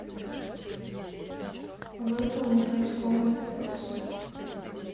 выполни поисковый запрос